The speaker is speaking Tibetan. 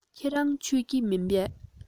ཁྱོད རང མཆོད ཀྱི མིན པས